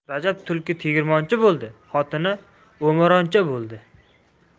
rajab tulki tegirmonchi bo'ldi xotini o'maronchi bo'ldi